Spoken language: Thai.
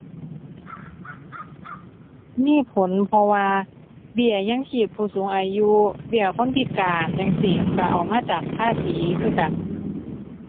มีผลเพราะว่าเบี้ยยังชีพผู้สูงอายุ เบี้ยคนพิการจั่งซี้ ก็เอามาจากภาษีคือกัน